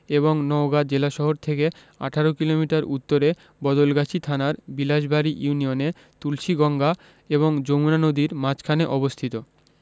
এবং নওগাঁ জেলাশহর থেকে ১৮ কিলোমিটার উত্তরে বদলগাছি থানার বিলাসবাড়ি ইউনিয়নে তুলসীগঙ্গা এবং যমুনা নদীর মাঝখানে অবস্থিত